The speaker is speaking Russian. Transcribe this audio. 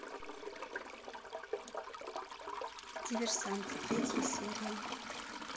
диверсант третья серия